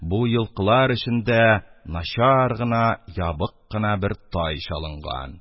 Бу елкылар эчендә начар гына, ябык кына бер тай чалынган.